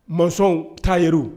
Mɔzɔnw tayɛriw